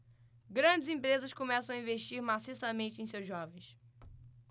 grandes empresas começam a investir maciçamente em seus jovens